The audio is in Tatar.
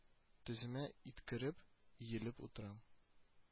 Теземә иткереп, иелеп утырам